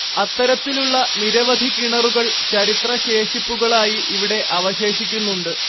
അത്തരത്തിലുള്ള നിരവധി കിണറുകൾ ചരിത്ര ശേഷിപ്പുകളായി ഇവിടെ അവശേഷിക്കുന്നുണ്ട്